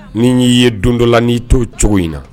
Ni y'i ye don dɔ la n'i to cogo in na